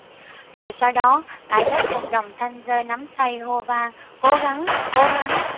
rồi sau đó cả lớp cùng đồng thanh giơ nắm tay hô vang cố gắng cố gắng